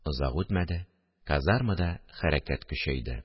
Озак үтмәде, казармада хәрәкәт көчәйде